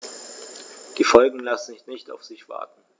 Die Folgen lassen nicht auf sich warten.